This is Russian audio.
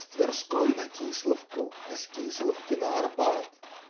с Тверской на Кисловку и с Кисловки на Арбат